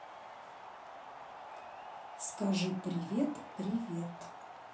скажи привет привет